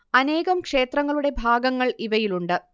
അനേകം ക്ഷേത്രങ്ങളുടെ ഭാഗങ്ങൾ ഇവയിലുണ്ട്